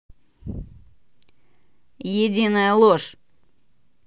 единая ложь